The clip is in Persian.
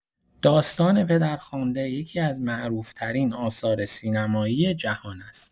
داستان پدرخوانده یکی‌از معروف‌ترین آثار سینمایی جهان است.